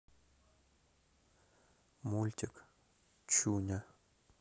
мультик чуня